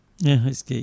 eskey